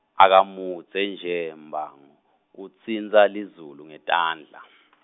Akamudze nje Mbango, utsintsa lizulu ngetandla .